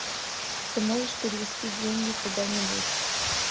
ты можешь перевести деньги куда нибудь